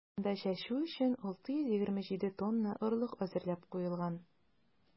Анда чәчү өчен 627 тонна орлык әзерләп куелган.